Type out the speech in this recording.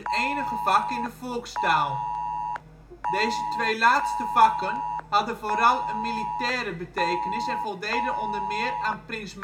enige vak in de volkstaal. Deze twee laatste vakken hadden vooral een militaire betekenis en voldeden onder meer aan prins